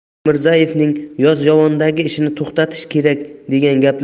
bekmirzaevning yozyovondagi ishini to'xtatish kerak degan